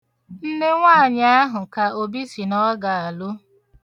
Nnenwaanyị ahụ ka Obi sị na ọ ga-alụ.